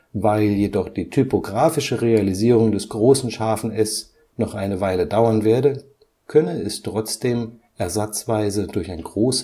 Weil jedoch die typografische Realisierung des großen ẞ noch eine Weile dauern werde, könne es trotzdem ersatzweise durch SS oder